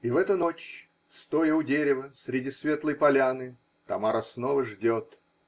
*** И в эту ночь, стоя у дерева среди светлой поляны, Тамара снова ждет.